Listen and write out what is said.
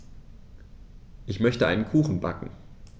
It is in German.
Ich möchte einen Kuchen backen.